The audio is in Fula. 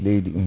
leydi